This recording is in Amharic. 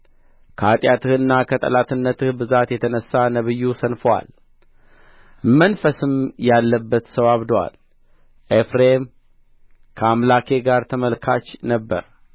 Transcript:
ከኃጢአትህና ከጠላትነትህ ብዛት የተነሣ ነቢዩ ሰንፎአል መንፈስም ያለበት ሰው አብዶአል ኤፍሬም ከአምላኬ ጋር ተመልካች ነበረ